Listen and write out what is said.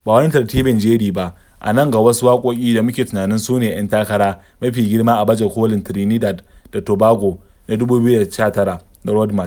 Ba wani tartibin jeri ba, a nan ga wasu waƙoƙi da muke tunanin su ne 'yan takara mafiya girma a baje-kolin Trinidad da Tobago na 2019 na Road March…